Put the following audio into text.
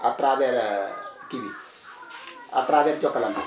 à travers kii bi à travers Jokalante